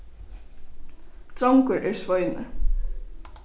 drongur er sveinur